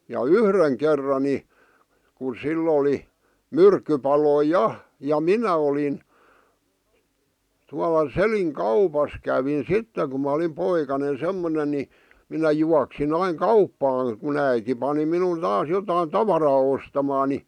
ja yhden kerran niin kun sillä oli myrkkypaloja ja ja minä olin tuolla Selin kaupassa kävin sitten kun minä olin poikanen semmoinen niin minä juoksin aina kauppaan kun äiti pani minun taas jotakin tavaraa ostamaan niin